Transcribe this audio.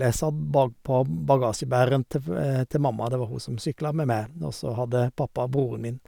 Jeg satt bakpå bagasjebæreren til f til mamma, det var hun som sykla med meg, og så hadde pappa broren min.